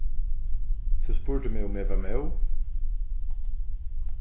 tú spurdi meg um eg var móð